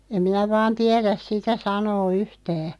en minä vain tiedä sitä sanoa yhtään